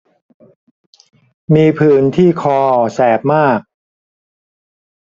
มีผื่นที่คอแสบมาก